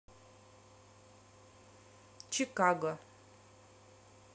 чикаго